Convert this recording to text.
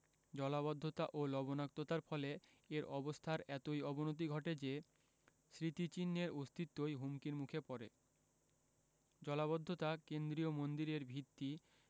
জলাবদ্ধতা ও লবণাক্ততার ফলে এর অবস্থার এতই অবনতি ঘটে যে স্মৃতিচিহ্নের অস্তিত্বই হুমকির মুখে পড়ে জলাবদ্ধতা কেন্দ্রীয় মন্দিরের ভিত্তি